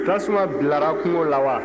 tasuma bilara kungo la wa